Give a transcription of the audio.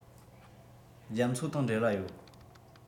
རྒྱ མཚོ དང འབྲེལ བ ཡོད